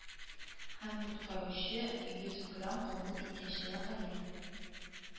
Һәм коткаручы йөз грамм кабул иткәнчегә кадәр